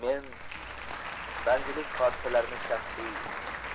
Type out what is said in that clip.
men bangilik hodisalarini shaxsiy